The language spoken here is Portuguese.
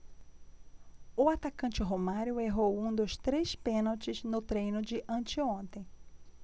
o atacante romário errou um dos três pênaltis no treino de anteontem